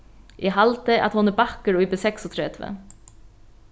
eg haldi at hon er bakkur í b36